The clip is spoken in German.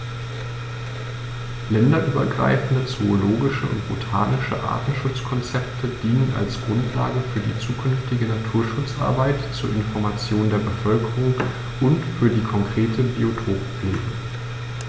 Länderübergreifende zoologische und botanische Artenschutzkonzepte dienen als Grundlage für die zukünftige Naturschutzarbeit, zur Information der Bevölkerung und für die konkrete Biotoppflege.